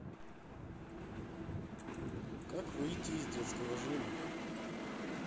как выйти из детского жима